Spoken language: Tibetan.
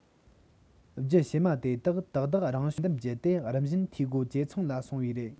རྒྱུད ཕྱི མ དེ དག ཏག ཏག རང བྱུང བསལ འདེམས བརྒྱུད དེ རིམ བཞིན འཐུས སྒོ ཇེ ཚང ལ སོང བས རེད